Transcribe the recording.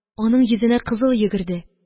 Аның йөзенә кызыл йөгерде